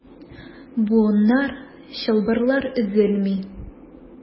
Буыннар, чылбырлар өзелми.